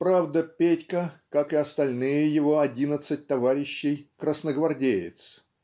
Правда, Петька, как и остальные его одиннадцать товарищей, красногвардеец